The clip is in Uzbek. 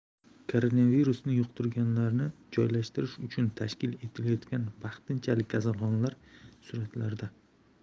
koronavirusni yuqtirganlarni joylashtirish uchun tashkil etilayotgan vaqtinchalik kasalxonalar suratlarda